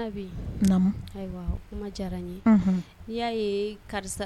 Ayiwa na ye